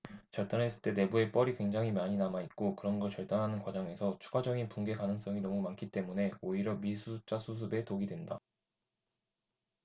절단했을 때 내부에 뻘이 굉장히 많이 남아있고 그런 걸 절단하는 과정에서 추가적인 붕괴 가능성이 너무 많기 때문에 오히려 미수습자 수습에 독이 된다